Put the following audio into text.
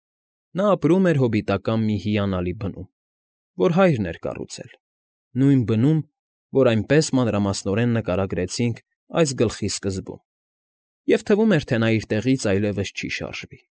Նա ապրում էր հոբիտական մի հիանալի բնում, որ հայրն էր կառուցել, նույն բնում, որ այնպես մանրամասնորեն նկարագրեցինք այս գլխի սկզբում, և թվում էր, թե նա իր տեղից այլևս չի շարժվի։